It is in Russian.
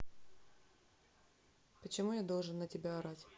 почему я должен на тебя орать